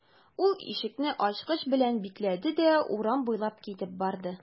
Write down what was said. Ул ишекне ачкыч белән бикләде дә урам буйлап китеп барды.